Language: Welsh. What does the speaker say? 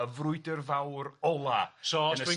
Y frwydyr fawr ola'...